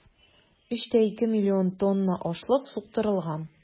3,2 млн тонна ашлык суктырылган.